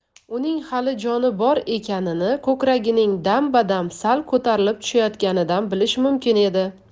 uning hali joni bor ekanini ko'kragining dam badam sal ko'tarilib tushayotganidan bilish mumkin edi